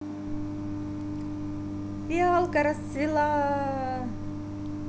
фиалка расцвела